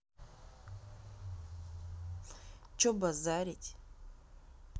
че базарить